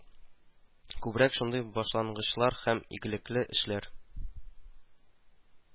Күбрәк шундый башлангычлар һәм игелекле эшләр